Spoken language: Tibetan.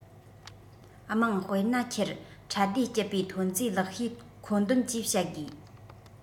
དམངས དཔེར ན ཁྱེར ཁྲལ བསྡུའི སྤྱི པའི ཐོན རྫས ལེགས ཤོས མཁོ འདོན ཅེས བཤད དགོས